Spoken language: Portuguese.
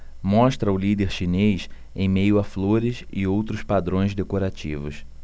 mostra o líder chinês em meio a flores e outros padrões decorativos